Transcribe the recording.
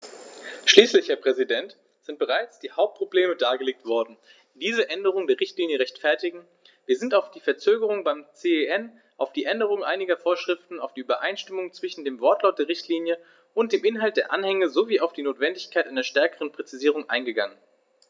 Schließlich, Herr Präsident, sind bereits die Hauptprobleme dargelegt worden, die diese Änderung der Richtlinie rechtfertigen, wir sind auf die Verzögerung beim CEN, auf die Änderung einiger Vorschriften, auf die Übereinstimmung zwischen dem Wortlaut der Richtlinie und dem Inhalt der Anhänge sowie auf die Notwendigkeit einer stärkeren Präzisierung eingegangen.